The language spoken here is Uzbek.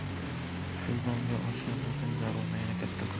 filbonga oshna bo'lsang darvozangni katta qil